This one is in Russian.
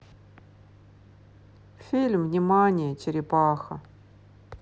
фильм внимание черепаха